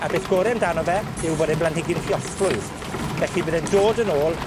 a beth gore amdano fe yw fod e'n blanhigyn lluosflwydd, felly bydd e'n dod yn ôl